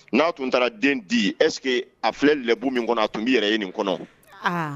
Na kun taara den di est ce que a filɛ lɛbu min kɔnɔ a tun bi yɛrɛ ye nin kɔnɔ wa ?